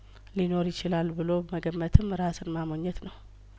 ሊኖር ይችላል ብሎ መገመትም ራስን ማሞኘት ነው